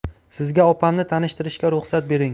sizga opamni tanishtirishga ruxsat bering